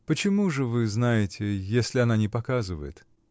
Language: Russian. — Почему же вы знаете, если она не показывает?